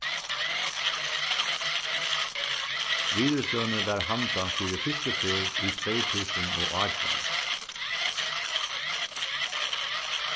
virðislønin varð handað fyri fyrstu ferð í tvey túsund og átjan